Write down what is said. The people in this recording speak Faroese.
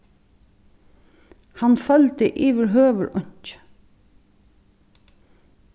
hann føldi yvirhøvur einki